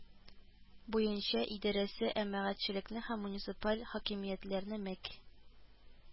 Буенча идарәсе әмәгатьчелекне һәм муниципаль хакимиятләрне мәк